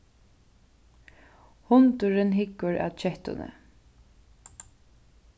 hundurin hyggur at kettuni